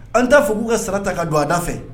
An t'a fɔ k'u ka sara ta ka don a da fɛ